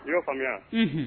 I y'a faamuya